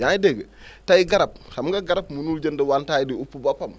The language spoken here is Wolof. yaa ng dégg tey garab xam nga garab munul jënd wantaay di uppu boppam